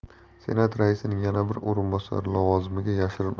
senat raisining yana bir o'rinbosari lavozimiga yashirin